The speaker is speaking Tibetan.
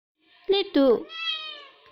སླེབས འདུག